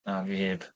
Na fi heb.